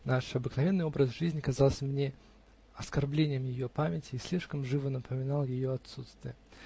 наш обыкновенный образ жизни казался мне оскорблением ее памяти и слишком живо напоминал ее отсутствие.